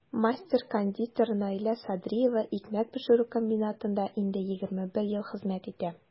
Мастер-кондитер Наилә Садриева икмәк пешерү комбинатында инде 21 ел хезмәт итә.